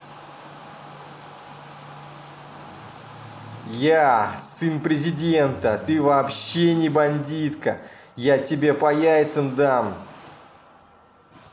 я сын президента ты вообще не бандитка я тебя по яйцам дам